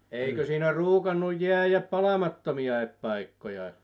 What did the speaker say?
eikö siinä ruukannut jäädä palamattomia paikkoja